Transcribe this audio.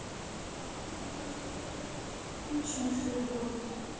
учим фигуры